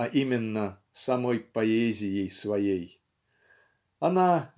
а именно самой поэзией своей. Она